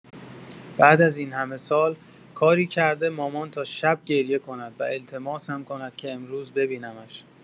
بعد از این‌همه سال، کاری کرده مامان تا شب گریه کند و التماسم کند که امروز ببینمش.